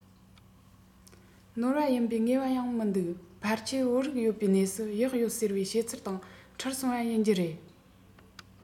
ནོར བ ཡིན པའི ངེས པ ཡང མི འདུག ཕལ ཆེར བོད རིགས ཡོད པའི གནས སུ གཡག ཡོད ཟེར བའི བཤད ཚུལ དང འཁྲུལ སོང བ ཡིན རྒྱུ རེད